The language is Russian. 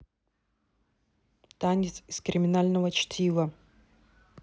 танец из криминального чтива